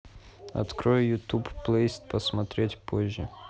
открой ютуб плейлист просмотреть позже